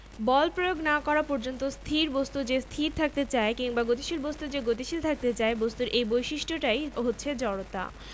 বল প্রয়োগ না করা পর্যন্ত স্থির বস্তু যে স্থির থাকতে চায় কিংবা গতিশীল বস্তু যে গতিশীল থাকতে চায় বস্তুর এই বৈশিষ্ট্যটাই হচ্ছে জড়তা